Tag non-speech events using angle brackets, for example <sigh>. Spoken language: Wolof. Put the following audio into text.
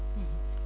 <hesitation> <hesitation>